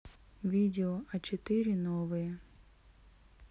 видео а четыре новые